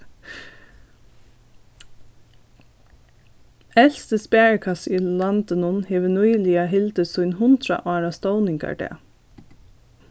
elsti sparikassi í landinum hevur nýliga hildið sín hundrað ára stovningardag